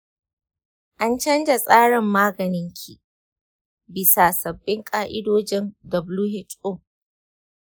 an canza tsarin maganin ki bisa sabbin ƙa’idojin who.